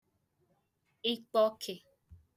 ị̀kpọkị̀